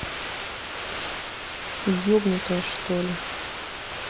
ебнутая что ли